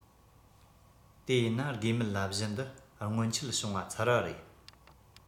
དེ ཡིན ན དགོས མེད ལབ གཞི འདི སྔོན ཆད བྱུང བ ཚར བ རེད